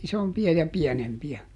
isompia ja pienempiä